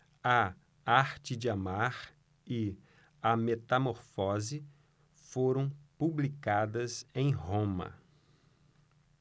a arte de amar e a metamorfose foram publicadas em roma